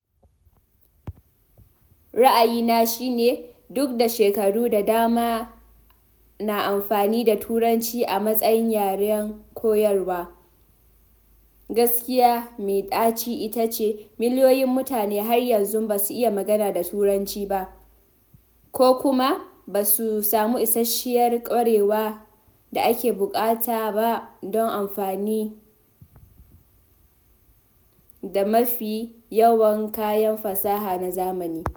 Ra’ayina shi ne duk da shekaru da dama na amfani da Turanci a matsayin yaran koyarwa, gaskiya mai ɗaci ita ce, miliyoyin mutane har yanzu ba su iya magana da Turancin ba, ko kuma ba su samu isasshiyar ƙwarewar da ake buƙata ba don amfani da mafi yawan kayan fasaha na zamani ba.